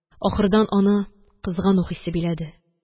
Ахырдан аны кызгану хисе биләде